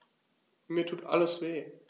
Mir tut alles weh.